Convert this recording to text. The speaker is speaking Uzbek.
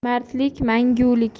mardlik mangulik